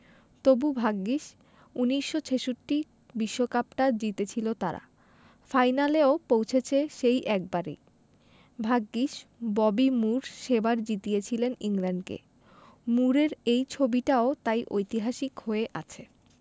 তবু ভাগ্যিস ১৯৬৬ বিশ্বকাপটা জিতেছিল তারা ফাইনালেও পৌঁছেছে সেই একবারই ভাগ্যিস ববি মুর সেবার জিতিয়েছিলেন ইংল্যান্ডকে মুরের এই ছবিটাও তাই ঐতিহাসিক হয়ে আছে